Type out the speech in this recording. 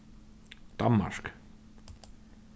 danmark